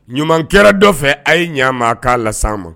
Ɲuman kɛra dɔ fɛ a' ye ɲɛmaa k'a lasa ma